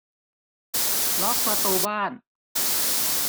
ล็อกประตูบ้าน